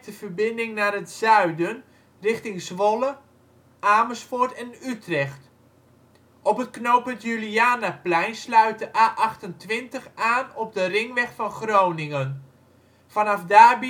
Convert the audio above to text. verbinding naar het zuiden richting Zwolle, Amersfoort en Utrecht. Op het knooppunt Julianaplein sluit de A28 aan op de ringweg van Groningen. Vanaf daar